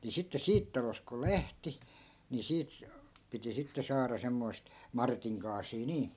niin sitten siitä talosta kun lähti niin siitä piti sitten saada semmoista Martin kaasia niin